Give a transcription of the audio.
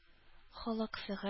Холык-фигыль